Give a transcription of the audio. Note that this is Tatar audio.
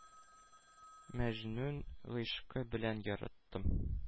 Мәҗнүн гыйшкы белән яраттым.